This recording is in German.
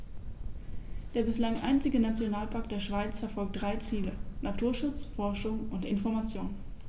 Der bislang einzige Nationalpark der Schweiz verfolgt drei Ziele: Naturschutz, Forschung und Information.